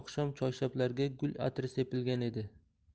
oqshom choyshablarga gul atri sepilgan edi